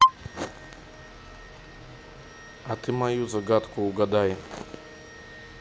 а ты мою загадку угадай